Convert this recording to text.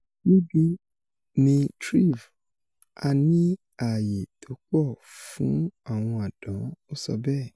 "Níbi ní Threave a ní ààyè tó pọ̀ fú àwọn àdán,” o sọ bẹ́ẹ̀.